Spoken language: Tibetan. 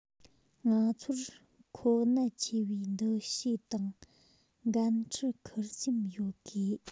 ང ཚོར མཁོ གནད ཆེ བའི འདུ ཤེས དང འགན འཁྲི ཁུར སེམས ཡོད དགོས